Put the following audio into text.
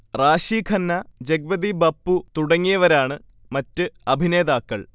റാഷി ഖന്ന, ജഗ്പതി ബപ്പു തുടങ്ങിയവരാണ് മറ്റ് അഭിനേതാക്കൾ